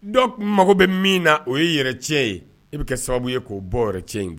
Dɔw mago bɛ min na o ye yɛrɛ tiɲɛ ye e bɛ kɛ sababu ye k'o bɔ yɛrɛ cɛ in